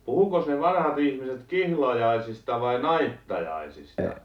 puhuikos ne vanhat ihmiset kihlajaisista vai naittajaisista